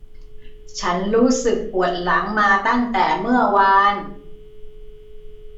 ฉันรู้สึกปวดหลังมาตั้งแต่เมื่อวาน